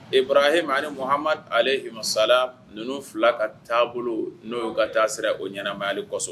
E bɔrahi ali kohamadu ale masala ninnu fila ka taabolo n'o ka taa sira o ɲba ale kɔsɔnsɔ